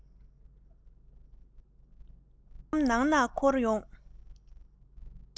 རྨི ལམ ནང ལ འཁོར ཡོང